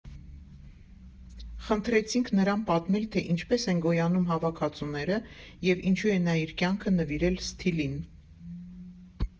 Խնդրեցինք նրան պատմել, թե ինչպես են գոյանում հավաքածուները և ինչու է նա իր կյանքը նվիրել «Սթիլին»։